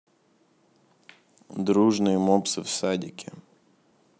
дружные мопсы в садике